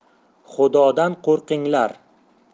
xudodan qo'rqinglar